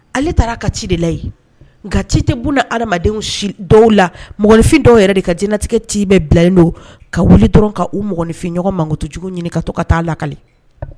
Ale taara ka ci de la ye nka ci tɛunna adamadenw dɔw la mɔgɔnfin dɔw yɛrɛ de ka jinɛinatigɛ ci bɛɛ bilalen don ka wuli dɔrɔn ka u mɔgɔnfinɲɔgɔn mankutu jugu ɲini ka to ka taa a lakali